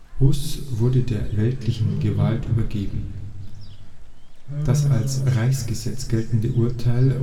Hus wurde der weltlichen Gewalt übergeben. Im Auftrag des Königs vollstreckte Pfalzgraf Ludwig das als Reichsgesetz geltende Urteil